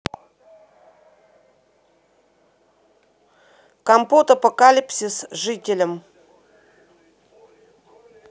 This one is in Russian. компот апокалипсис жителям